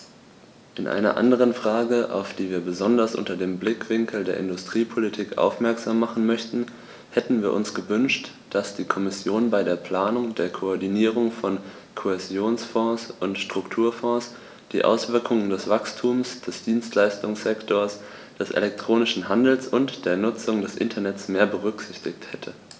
In einer anderen Frage, auf die wir besonders unter dem Blickwinkel der Industriepolitik aufmerksam machen möchten, hätten wir uns gewünscht, dass die Kommission bei der Planung der Koordinierung von Kohäsionsfonds und Strukturfonds die Auswirkungen des Wachstums des Dienstleistungssektors, des elektronischen Handels und der Nutzung des Internets mehr berücksichtigt hätte.